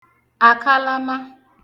akalama